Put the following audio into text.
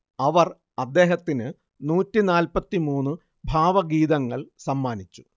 അവർ അദ്ദേഹത്തിന് നൂറ്റിനാല്പത്തിമൂന്ന് ഭാവഗീതങ്ങൾ സമ്മാനിച്ചു